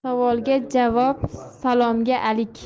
savolga javob salomga alik